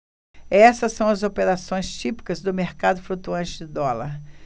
essas são as operações típicas do mercado flutuante de dólar